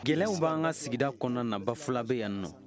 kɛlɛw banna an ka sigida kɔnɔna na bafulabe yanninnɔ